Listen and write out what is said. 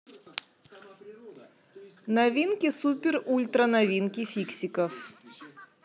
новинки супер ультра новинки фиксиков